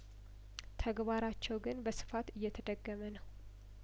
ተግባራቸው ግን በስፋት እየተደገመ ነው